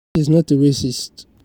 She's not a racist.